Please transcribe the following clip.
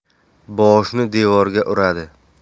boshini devorga uradi